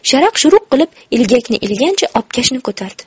sharaq shuruq qilib ilgakni ilgancha obkashni ko'tardi